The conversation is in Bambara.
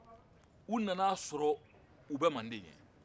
u nana a sɔrɔ u bɛ manden yen